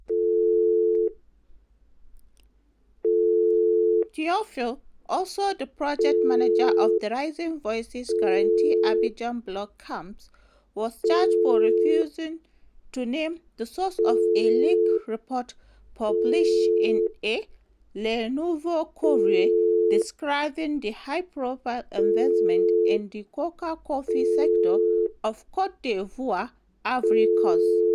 It is a punishment which fits over the press law rather than criminal matters where we had boarded the prosecutor, provoking disgust and shocking the world.